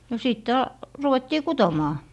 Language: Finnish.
no sitten - ruvettiin kutomaan